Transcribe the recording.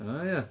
O ia.